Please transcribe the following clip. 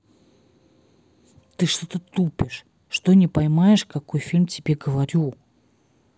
ты что то тупишь что не поймаешь какой фильм тебе говорю